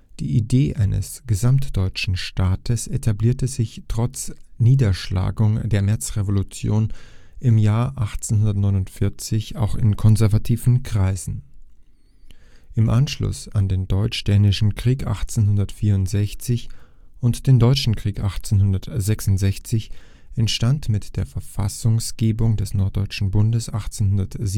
Die Idee eines gesamtdeutschen Staates etablierte sich trotz Niederschlagung der Märzrevolution im Jahre 1849 auch in konservativen Kreisen. Im Anschluss an den Deutsch-Dänischen Krieg 1864 und den Deutschen Krieg 1866 entstand mit der Verfassungsgebung des Norddeutschen Bundes 1867